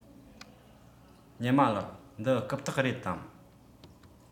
ཉི མ ལགས འདི རྐུབ སྟེགས རེད དམ